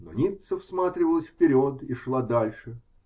Но Ницца всматривалась вперед и шла дальше.